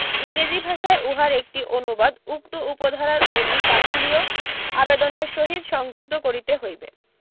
ইংরেজী ভাষায় উহার একটি অনুবাদ উক্ত উপ ধারার অধীন দাখিলীয় আবেদনের সহিত সংযুক্ত করিতে হইবে